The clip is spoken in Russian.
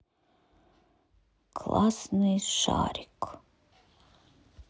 классный шарик